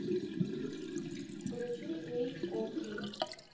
включи эйс оф бейс